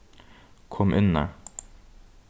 kom innar